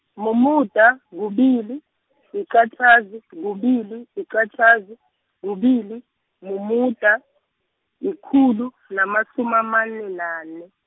mumuda, kubili, liqatjhazi, kubili, yiqatjhazi, kubili, mumuda, likhulu, namasumi amane nane.